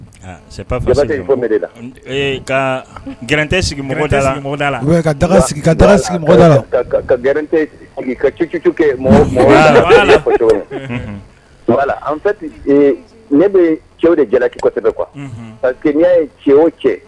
La sigi sigida ne bɛ cɛw de jalaki kɔtɛ dɛ kuwaya ye cɛ o cɛ